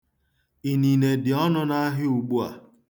Inine dị ọnụ n'ahịa ugbua.